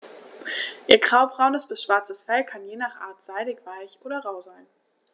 Ihr graubraunes bis schwarzes Fell kann je nach Art seidig-weich oder rau sein.